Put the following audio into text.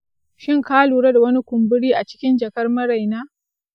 shin ka lura da wani kumburi a cikin jakar maraina?